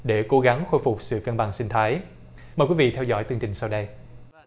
để cố gắng khôi phục sự cân bằng sinh thái mời quý vị theo dõi chương trình sau đây